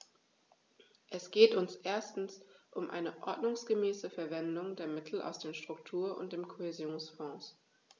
Es geht uns erstens um eine ordnungsgemäße Verwendung der Mittel aus den Struktur- und dem Kohäsionsfonds.